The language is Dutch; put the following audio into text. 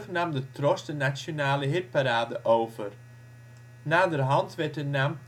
nam de TROS de Nationale Hitparade over. Naderhand werd de naam